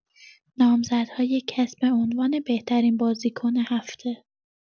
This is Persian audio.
نامزدهای کسب عنوان بهترین بازیکن هفته